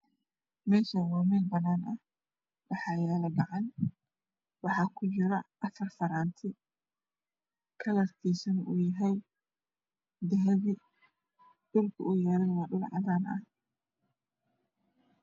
Meshaan waa mel Bana ah waxaa ku jiro afar faranti kalarkisuno waa dahapi dhulka uu yalana waa dhul cadaan ah